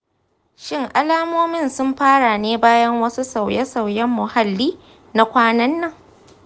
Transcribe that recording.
shin alamomin sun fara ne bayan wasu sauye-sauyen muhalli na kwanan nan?